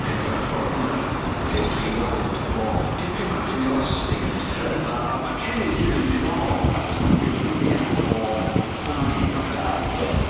edrach o'r hwnna gewch chi weld fod dipyn bach yn elastig. Reit. A a ma' cen ei hun yn ddiddorol achos ma'n gyfuniad o fungi ynda? Ie.